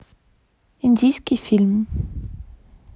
индийский фильм